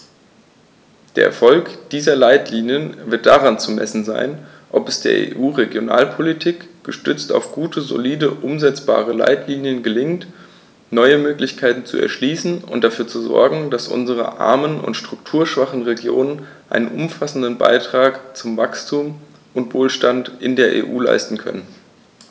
Der Erfolg dieser Leitlinien wird daran zu messen sein, ob es der EU-Regionalpolitik, gestützt auf gute, solide und umsetzbare Leitlinien, gelingt, neue Möglichkeiten zu erschließen und dafür zu sorgen, dass unsere armen und strukturschwachen Regionen einen umfassenden Beitrag zu Wachstum und Wohlstand in der EU leisten können.